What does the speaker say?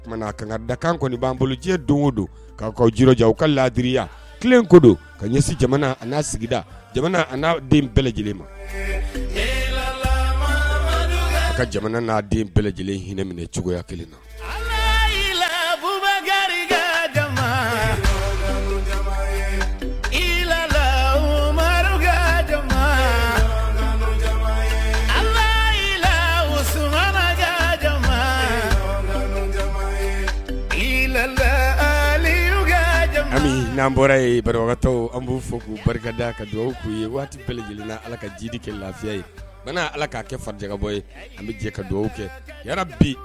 Da kɔni b'an bolojɛ don' ka ka laadiriya kodo ka ɲɛsin jamana n'a sigida n'a bɛɛ lajɛlen ma ka jamana n'a bɛɛ lajɛlen hinɛ minɛ cogoya kelen na'an bɔratɔ an b'u fɔ k'u barika da ka dugawu ye waati bɛɛj lajɛlenla ala ka jidi kɛ lafiya ye ala k'a kɛ fa jabɔ ye an bɛ jɛ ka dugawu kɛ bi